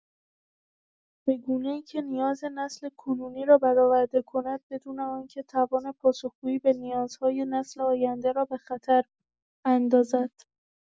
به گونه‌ای که نیاز نسل کنونی را برآورده کند بدون آن‌که توان پاسخ‌گویی به نیازهای نسل‌های آینده را به خطر اندازد.